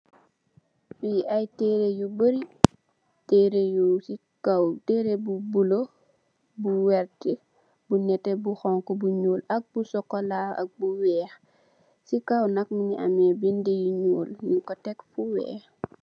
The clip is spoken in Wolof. Fii ay tereh yu barri tereh yi nyung ku tek ci kaw, tereh bi bulo, bu werte, bu nete, bu xonxo, bu nuul ak bu sokola, bu weex ci kaw nak mungi ame bindi yu ñuul nyung ko tek fu ñuul.